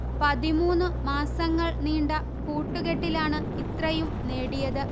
പതിമൂന്നു മാസങ്ങൾ നീണ്ട കൂട്ടു കെട്ടിലാണ് ഇത്രയും നേടിയത്